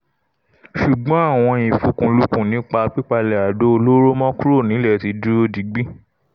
Ṣùgbọ́n àwọn ìfikùnlukùn nípa pípalẹ àdó olóró mọ kúrò nílẹ̀ ti dúró digbé.